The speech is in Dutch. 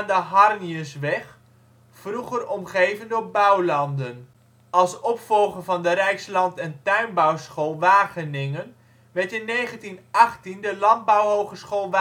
Harnjesweg, vroeger omgeven door bouwlanden. Als opvolger van de Rijksland - en tuinbouwschool Wageningen werd in 1918 de Landbouwhogeschool Wageningen